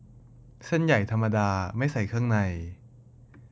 เส้นใหญ่ธรรมดาไม่ใส่เครื่องใน